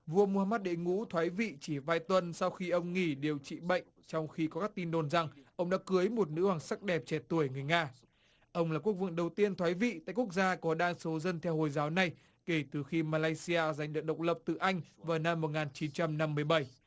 vua mua a mắc đệ ngũ thoái vị chỉ vài tuần sau khi ông nghỉ điều trị bệnh trong khi có tin đồn rằng ông đã cưới một nữ hoàng sắc đẹp trẻ tuổi người nga ông là quốc vương đầu tiên thoái vị tại quốc gia có đa số dân theo hồi giáo này kể từ khi ma lay si a giành được độc lập từ anh vào năm một nghìn chín trăm năm mươi bảy